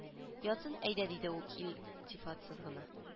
Ятсын әйдә диде ул илтифатсыз гына